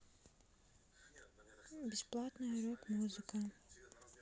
бесплатная рок музыка